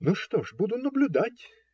"Ну что ж, буду наблюдать",